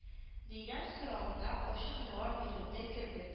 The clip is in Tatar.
» дигән соравына ачык җавап бирелде кебе